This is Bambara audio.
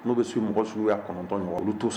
N'u bɛ se mɔgɔ suya kɔnɔntɔn ɲɔgɔn olu tou so